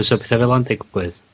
Os odd petha fel 'a'n digwydd.